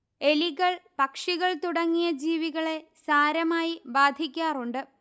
എലികൾപക്ഷികൾ തുടങ്ങിയ ജീവികളെ സാരമായി ബാധിക്കാറുണ്ട്